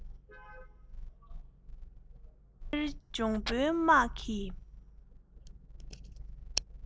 སྐྲ སེར འབྱུང བོའི དམག གིས